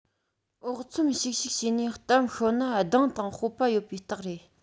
ཨོག ཚོམ བྱུག བྱུག བྱས ནས གཏམ ཤོད ན གདེང དང སྤོབས པ ཡོད པའི རྟགས རེད